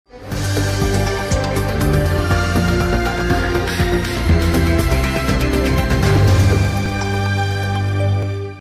San